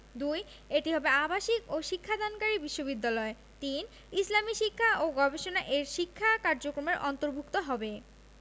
২. এটি হবে আবাসিক ও শিক্ষাদানকারী বিশ্ববিদ্যালয় ৩. ইসলামী শিক্ষা ও গবেষণা এর শিক্ষা কার্যক্রমের অন্তর্ভুক্ত হবে